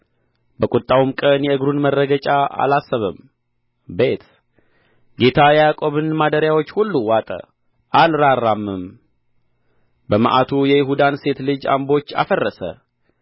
በቍጣውም ቀን የእግሩን መረገጫ አላሰበም ቤት ጌታ የያዕቆብን ማደሪያዎች ሁሉ ዋጠ አልራራምም በመዓቱ የይሁዳን ሴት ልጅ አምቦች አፈረሰ